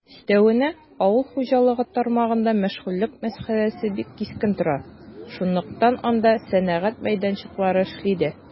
Өстәвенә, авыл хуҗалыгы тармагында мәшгульлек мәсьәләсе бик кискен тора, шунлыктан анда сәнәгать мәйданчыклары эшли дә.